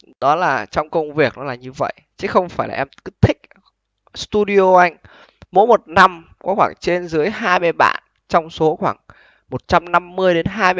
đó là trong công việc đó là như vậy chứ không phải là em cứ thích xừ tu đi ô anh mỗi một năm có khoảng trên dưới hai mươi bạn trong số khoảng một trăm năm mươi đến hai